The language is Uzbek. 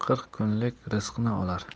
qirq kunlik rizqni olar